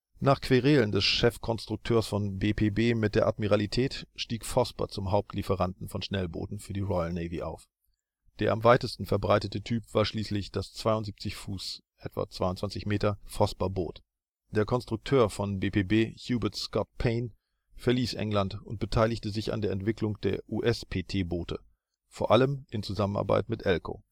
Nach Querelen des Chefkonstrukteurs von BPB mit der Admiralität stieg Vosper zum Hauptlieferanten von Schnellbooten für die Royal Navy auf. Der am weitesten verbreitete Typ war schließlich das 72 ft (≈22 m) Vosper-Boot. Der Konstrukteur von BPB Hubert Scott-Payne verließ England und beteiligte sich an der Entwicklung der US-PT-Boote vor allem in Zusammenarbeit mit Elco